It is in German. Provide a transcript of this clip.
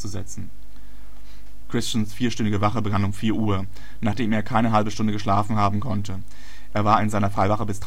Christians vierstündige Wache begann um 4:00 Uhr, nachdem er keine halbe Stunde geschlafen haben konnte (er war in seiner Freiwache bis